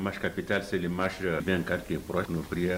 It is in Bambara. Ma kap taa seli maasi bɛ ka bɔraoɔriya